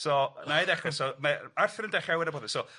So wna i ddechre so mae Arthur yn dechre so